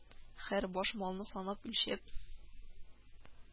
Һәр баш малны санап, үлчәп